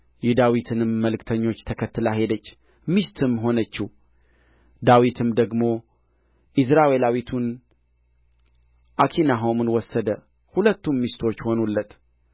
የዳዊትንም መልእክተኞች ተከትላ ሄደች ሚስትም ሆነችው ዳዊትም ደግሞ ኢይዝራኤላዊቱን አኪናሆምን ወሰደ ሁለቱም ሚስቶች ሆኑለት